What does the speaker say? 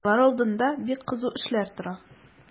Алар алдында бик кызу эшләр тора.